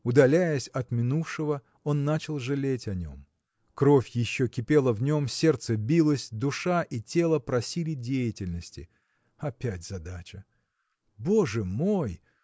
Удалясь от минувшего, он начал жалеть о нем. Кровь еще кипела в нем сердце билось душа и тело просили деятельности. Опять задача. Боже мой!